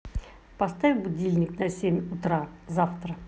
поставь будильник на семь утра завтра